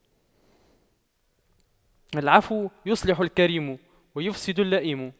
العفو يصلح الكريم ويفسد اللئيم